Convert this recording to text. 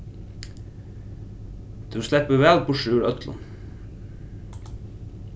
tú sleppur væl burtur úr øllum